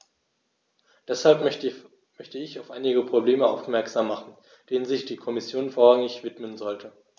Deshalb möchte ich auf einige Probleme aufmerksam machen, denen sich die Kommission vorrangig widmen sollte.